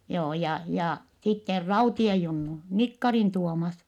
joo ja ja sitten Raution Junnu Nikkarin Tuomas